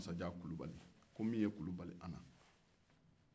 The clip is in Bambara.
masajan kulubali